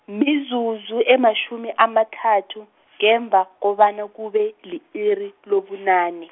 mizuzu ematjhumi amathathu, ngemva, kobana kube, li-iri lobunane.